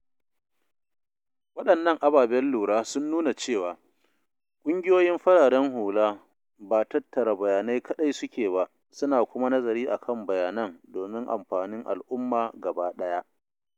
Waɗannan ababen lura sun nuna cewa, ƙungiyoyin fararen hula ba tattara bayanai kaɗai suke ba, suna kuma nazari kan bayanan domin amfanin al’umma gaba ɗaya.